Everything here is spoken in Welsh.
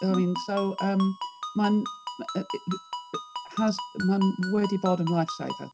I mean so yym mae'n has mae'n wedi bod yn lifesaver.